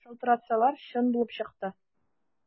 Шалтыратсалар, чын булып чыкты.